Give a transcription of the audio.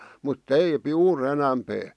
mutta - juuri enempää